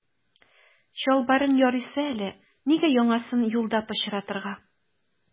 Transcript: Чалбарың ярыйсы әле, нигә яңасын юлда пычратырга.